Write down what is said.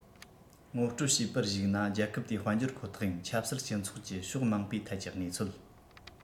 ངོ སྤྲོད བྱས པར གཞིགས ན རྒྱལ ཁབ དེའི དཔལ འབྱོར ཁོ ཐག ཡིན ཆབ སྲིད སྤྱི ཚོགས ཀྱི ཕྱོགས མང པོའི ཐད ཀྱི གནས ཚུལ